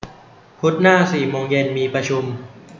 พุธหน้าสี่โมงเย็นมีประชุม